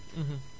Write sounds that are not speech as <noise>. <hesitation> <hesitation>